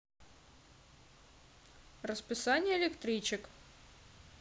расписание электричек